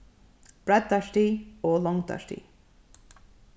breiddarstig og longdarstig